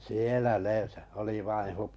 siellä ne oli vain -